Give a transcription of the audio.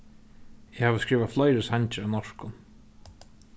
eg havi skrivað fleiri sangir á norskum